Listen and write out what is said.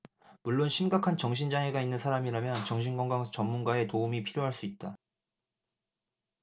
물론 심각한 정신 장애가 있는 사람이라면 정신 건강 전문가의 도움이 필요할 수 있다